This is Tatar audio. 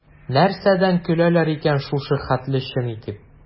Нәрсәдән көләләр икән шушы хәтле чын итеп?